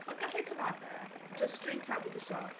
Ond galla i cyfadde, just straight out with the shot.